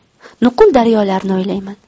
nuqul daryolarni o'ylayman